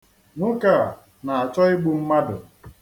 Nwoke a na-achọ igbu mmadụ.